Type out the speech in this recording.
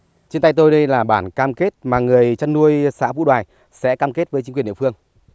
trên tay tôi đây là bản cam kết mà người chăn nuôi xã vũ đoài sẽ cam kết với chính quyền địa phương